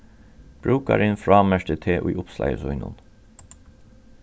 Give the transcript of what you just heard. brúkarin frámerkti teg í uppslagi sínum